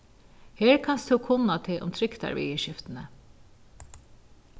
her kanst tú kunna teg um trygdarviðurskiftini